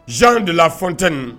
Zan de la ftin